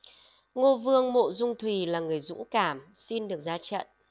ngô vương mộ dung thùy là người dũng cảm xin được ra trận